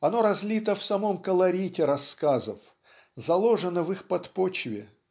оно разлито в самом колорите рассказов заложено в их подпочве